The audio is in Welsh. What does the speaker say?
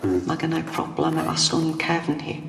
Hmm. Ma' gynnai problem ef- asgwn cefn hi.